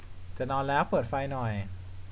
จะนอนแล้วปิดไฟหน่อย